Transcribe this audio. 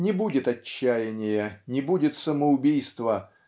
Не будет отчаянья, не будет самоубийства